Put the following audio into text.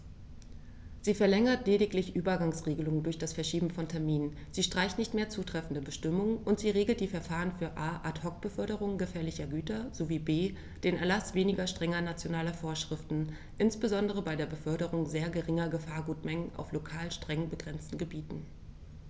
Sie verlängert lediglich Übergangsregeln durch das Verschieben von Terminen, sie streicht nicht mehr zutreffende Bestimmungen, und sie regelt die Verfahren für a) Ad hoc-Beförderungen gefährlicher Güter sowie b) den Erlaß weniger strenger nationaler Vorschriften, insbesondere bei der Beförderung sehr geringer Gefahrgutmengen auf lokal streng begrenzten Gebieten.